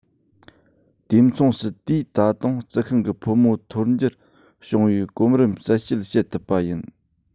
དུས མཚུངས སུ དེས ད དུང རྩི ཤིང གི ཕོ མོ ཐོར འགྱུར བྱུང བའི གོམ རིམ གསལ བཤད བྱེད ཐུབ པ ཡིན